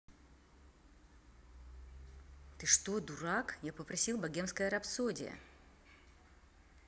ты что дурак я попросил богемская рапсодия